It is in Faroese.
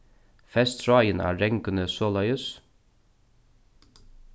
fest tráðin á ranguni soleiðis